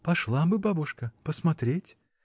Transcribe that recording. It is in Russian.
— Пошла бы, бабушка, посмотреть.